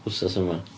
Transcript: Wsos yma.